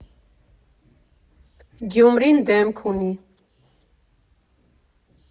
Գյումրին դեմք ունի։